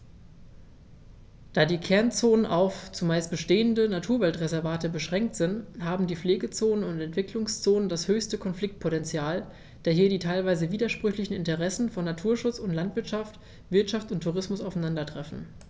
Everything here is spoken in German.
Da die Kernzonen auf – zumeist bestehende – Naturwaldreservate beschränkt sind, haben die Pflegezonen und Entwicklungszonen das höchste Konfliktpotential, da hier die teilweise widersprüchlichen Interessen von Naturschutz und Landwirtschaft, Wirtschaft und Tourismus aufeinandertreffen.